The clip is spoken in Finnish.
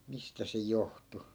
mistä se johtui